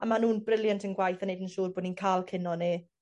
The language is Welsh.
A ma' nw'n brilliant yn gwaith a neud yn siŵr bo' ni'n ca'l cino ne'